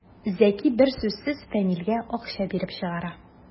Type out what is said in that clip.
Зәки бер сүзсез Фәнилгә акча биреп чыгара.